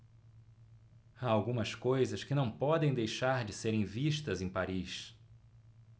há algumas coisas que não podem deixar de serem vistas em paris